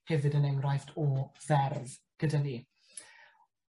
Hefyd yn enghraifft o ferf gyda ni.